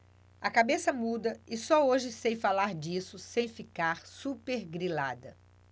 a cabeça muda e só hoje sei falar disso sem ficar supergrilada